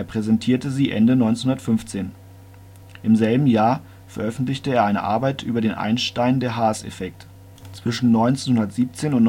präsentierte sie Ende 1915. Im selben Jahr veröffentlichte er eine Arbeit über den Einstein-de-Haas-Effekt. Zwischen 1917